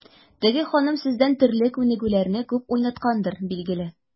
Теге ханым сездән төрле күнегүләрне күп уйнаткандыр, билгеле.